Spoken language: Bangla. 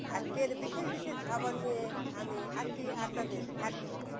আজকের বিশেষ বিশেষ খবর নিয়ে আমি আছি আপনাদের সাথে